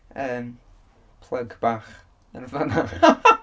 Yym, plug bach yn y fan'na.